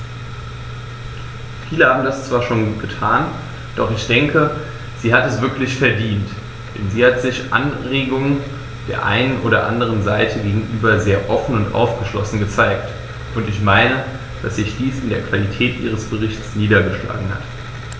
Viele haben das zwar schon getan, doch ich denke, sie hat es wirklich verdient, denn sie hat sich Anregungen der einen und anderen Seite gegenüber sehr offen und aufgeschlossen gezeigt, und ich meine, dass sich dies in der Qualität ihres Berichts niedergeschlagen hat.